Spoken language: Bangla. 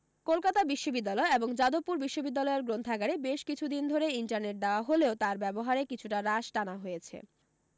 কলকাতা বিশ্ববিদ্যালয় এবং যাদবপুর বিশ্ববিদ্যালয়ের গ্রন্থাগারে বেশ কিছু দিন ধরে ইন্টারনেট দেওয়া হলেও তার ব্যবহারে কিছুটা রাশ টানা হয়েছে